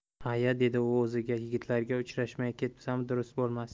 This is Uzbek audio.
ha ya dedi u o'ziga o'zi yigitaliga uchrashmay ketsam durust bo'lmas